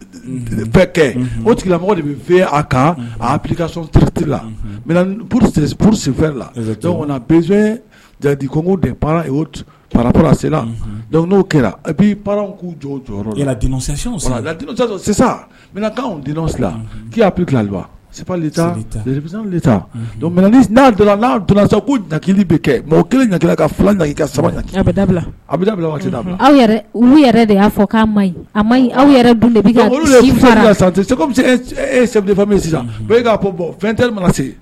Kɛ olamɔgɔ de bɛ a kan la senfɛ jatigidi kola dɔnku n'o kɛra k'u jɔ ki plili bɛ kɛ maaw kelen ka fila da aw yɛrɛ de'a fɔ' se bɛ se e sɛbɛn min sisan e'a bɔn teri mana se